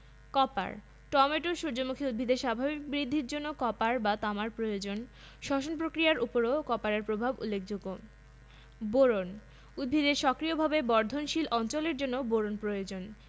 manganese molybdenum boron তামা বা copper এবং ক্লোরিন 5.1.1 পুষ্টি উপাদানের উৎস এবং ভূমিকা পুষ্টি উপাদানের উৎস